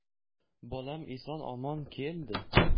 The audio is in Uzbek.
bolam eson omon keldi